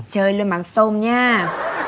chơi luôn mắm xôm nhá